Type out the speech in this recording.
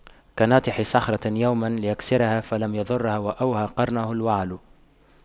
كناطح صخرة يوما ليكسرها فلم يضرها وأوهى قرنه الوعل